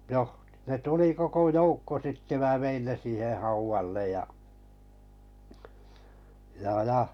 no ne tuli koko joukko sitten minä vein ne siihen haudalle ja ja ja